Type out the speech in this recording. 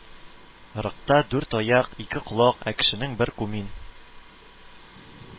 Рыкта дүрт аяк, ике колак, ә кешенең бер кумин